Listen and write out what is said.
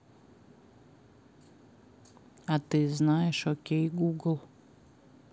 а ты знаешь окей google